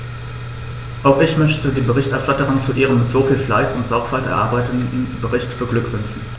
Auch ich möchte die Berichterstatterin zu ihrem mit so viel Fleiß und Sorgfalt erarbeiteten Bericht beglückwünschen.